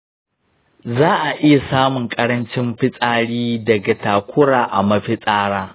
za'a iya samun ƙarancin fitsari daga takura a mafitsara